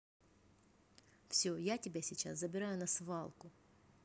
все я тебя сейчас забираю на свалку